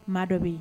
Maa dɔ bɛ yen